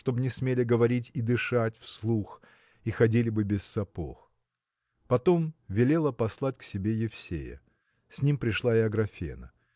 чтоб не смели говорить и дышать вслух и ходили бы без сапог. Потом велела послать к себе Евсея. С ним пришла и Аграфена.